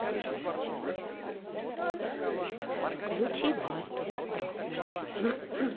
включи басту застрахуй